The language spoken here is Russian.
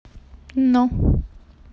но